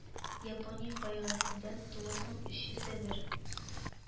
Япония фаигасендә тугыз мең өч йөз дә бер